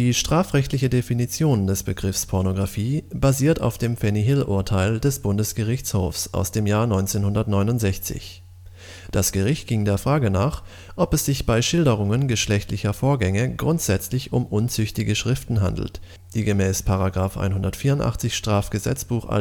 strafrechtliche Definition des Begriffs Pornografie basiert auf dem Fanny-Hill-Urteil des Bundesgerichtshofs aus dem Jahr 1969. Das Gericht ging der Frage nach, ob es sich bei Schilderungen geschlechtlicher Vorgänge grundsätzlich um unzüchtige Schriften handelt, die gemäß § 184 StGB